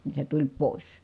niin se tuli pois